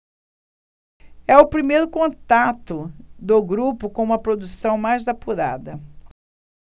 é o primeiro contato do grupo com uma produção mais apurada